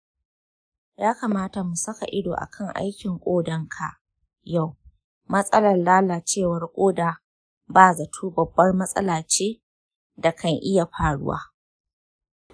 ya kamata mu saka ido akan aikin kodanka yau, matsalar lalacewar koda ba zato babbar matsala ce da kan iya faruwa.